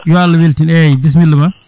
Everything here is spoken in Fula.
yo Allah weltine eyyi bisimilla ma